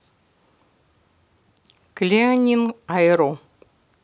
cleanin' айро